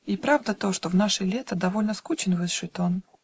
И правда то, что в наши лета Довольно скучен высший тон